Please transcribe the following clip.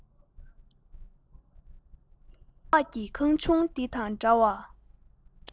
ས འོག གི ཁང ཆུང འདི དང འདྲ བ